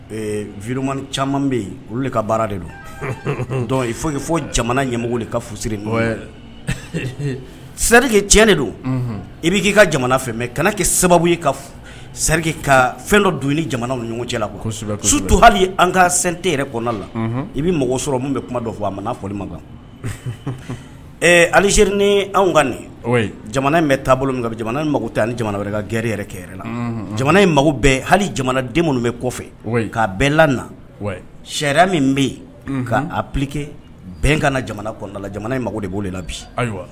Yiri caman bɛ yen olu ka baara de don fo ye fɔ jamana ɲɛmɔgɔ de ka fu serike cɛ de don i bɛ k'i ka jamana fɛ mɛ kana kɛ sababu ye kari ka fɛn dɔ don ni jamana ɲɔgɔn cɛ su to hali an ka sante yɛrɛ kɔnɔna la i bɛ mɔgɔ sɔrɔ min bɛ kuma dɔ fɔ a ma fɔli ma kan ɛ alizri ni anw ka nin jamana bɛ taabolo jamana in mako ta ni bɛ ka gɛrɛ yɛrɛ kɛ la jamana hali jamana den minnu bɛ kɔfɛ k'a bɛɛ la sɛ min bɛ yen ka a pke bɛn ka na jamana kɔnɔna la jamana mako de b'o na bi